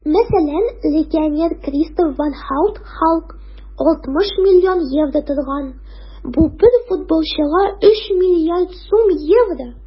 Мәсәлән, легионер Кристоф ван Һаут (Халк) 60 млн евро торган - бу бер футболчыга 3 млрд сум евро!